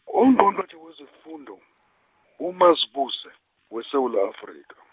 Ungqongqotjhe wezefundo, uMazibuse, weSewula Afrika.